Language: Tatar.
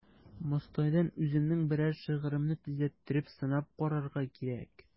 Мостайдан үземнең берәр шигыремне төзәттереп сынап карарга кирәк.